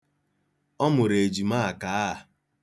Mmiri ezoghi akaaa.